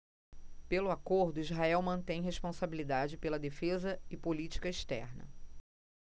pelo acordo israel mantém responsabilidade pela defesa e política externa